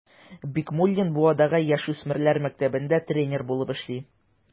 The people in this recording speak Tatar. Бикмуллин Буадагы яшүсмерләр мәктәбендә тренер булып эшли.